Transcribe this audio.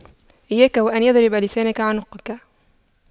إياك وأن يضرب لسانك عنقك